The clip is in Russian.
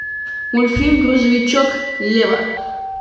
мультфильм грузовичок лева